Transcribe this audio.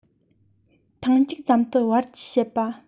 ཐང ཅིག ཙམ དུ བར ཆད བྱེད པ